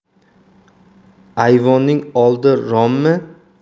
ayvonning oldi rommi